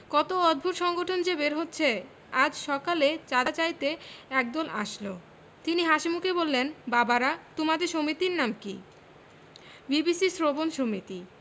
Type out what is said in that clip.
কত অদ্ভুত সংগঠন যে বের হচ্ছে আজ সকালে চাঁদা চাইতে একদল আসল তিনি হাসিমুখে বললেন বাবারা তোমাদের সমিতির নাম কি বিবিসি শ্রবণ সমিতি